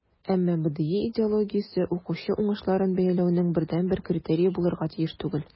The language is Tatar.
Әмма БДИ идеологиясе укучы уңышларын бәяләүнең бердәнбер критерие булырга тиеш түгел.